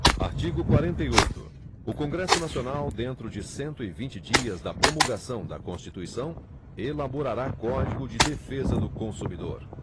artigo quarenta e oito o congresso nacional dentro de cento e vinte dias da promulgação da constituição elaborará código de defesa do consumidor